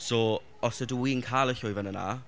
So, os ydw i'n cael y llwyfan yna...